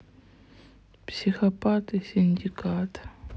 психопаты синдикат